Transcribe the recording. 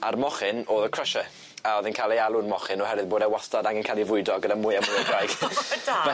A'r mochyn o'dd y crusher a o'dd e'n ca'l ei alw'n mochyn oherwydd bod e wastad angen ca'l ei fwydo gyda mwy o mwy o graig. O da.